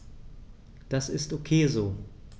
Das ist ok so.